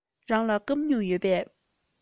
རང ལ སྐམ སྨྱུག ཡོད པས